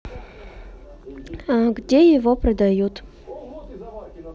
где его продают